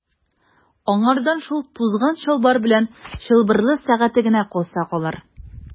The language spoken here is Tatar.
Аңардан шул тузган чалбар белән чылбырлы сәгате генә калса калыр.